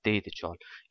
deydi chol